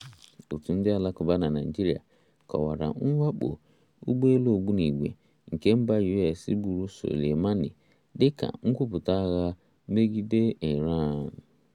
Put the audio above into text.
Òtù ndị Alakụba na Naịjirịa kọwara mwakpo ụgbọelu ogbunigwe nke mba US gburu Soleimani dị ka "nkwupụta agha megide Iran".